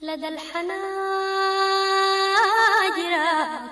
ladal hanajira